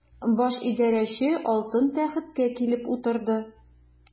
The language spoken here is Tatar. Баш идарәче алтын тәхеткә килеп утырды.